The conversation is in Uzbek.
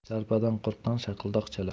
sharpadan qo'rqqan shaqildoq chalar